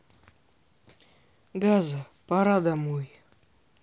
газа пора домой